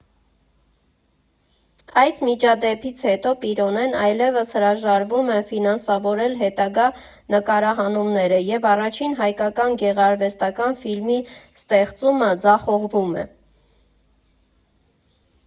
Այս միջադեպից հետո Պիրոնեն այլևս հրաժարվում է ֆինանսավորել հետագա նկարահանումները և առաջին հայկական գեղարվեստական ֆիլմի ստեղծումը ձախողվում է։